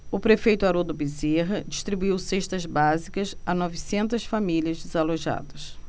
o prefeito haroldo bezerra distribuiu cestas básicas a novecentas famílias desalojadas